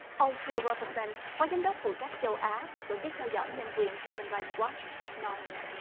ông hiu ra bơ xen phó giám đốc phụ trách châu á thuộc tổ chức theo dõi nhân quyền hiu mân rai quát nói